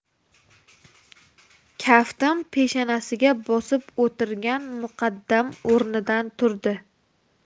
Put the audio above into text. kaftim peshanasiga bosib o'tirgan muqaddam o'rnidan turdi